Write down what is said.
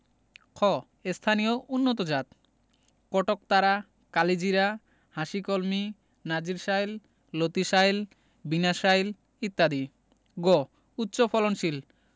খ স্থানীয় উন্নতজাতঃ কটকতারা কালিজিরা হাসিকলমি নাজির শাইল লতিশাইল বিনাশাইল ইত্যাদি গ উচ্চফলনশীল